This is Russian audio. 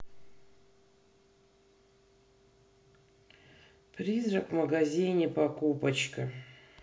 призрак в магазине покупочка